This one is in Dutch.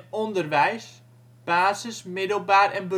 onderwijs (basis -, middelbaar - en